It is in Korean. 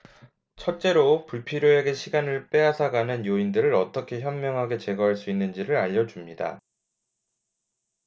첫째로 불필요하게 시간을 빼앗아 가는 요인들을 어떻게 현명하게 제거할 수 있는지를 알려 줍니다